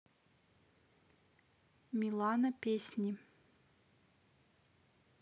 милана песни